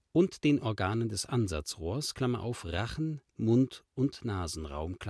und den Organen des Ansatzrohres (Rachen, Mund - und Nasenraum